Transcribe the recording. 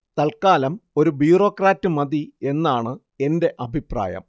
തല്ക്കാലം ഒരു ബ്യൂറോക്രാറ്റ് മതി എന്നാണ് എന്റെ അഭിപ്രായം